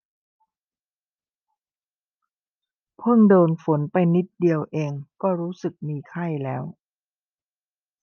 เพิ่งโดนฝนไปนิดเดียวเองก็รู้สึกมีไข้แล้ว